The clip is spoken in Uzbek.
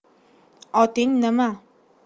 oting nima